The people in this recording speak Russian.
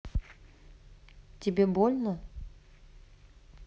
тебе больно